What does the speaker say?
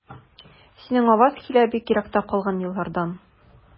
Синең аваз килә бик еракта калган еллардан.